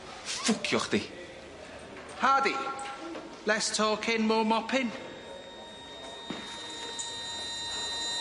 Ffwcio chdi. Hardy, less talking more mopping.